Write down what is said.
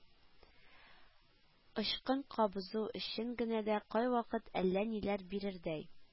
Очкын кабызу өчен генә дә кайвакыт әллә ниләр бирердәй